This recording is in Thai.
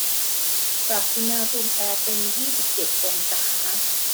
ปรับอุณหภูมิแอร์เป็นยี่สิบเจ็ดองศา